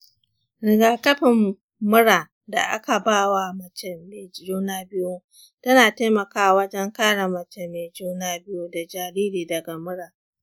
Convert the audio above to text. rigakafin mura da aka ba wa mace mai juna biyu tana taimakawa wajen kare mace mai juna biyu da jariri daga mura.